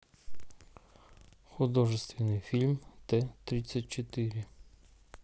художественный фильм т тридцать четыре